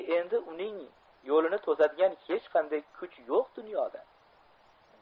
endi uning yo'lini to'sadigan hech qanday kuch yo'q dunyoda